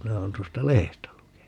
minä olen tuosta lehdestä lukenut